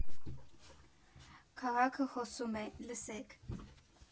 Քաղաքը խոսում է, լսեք։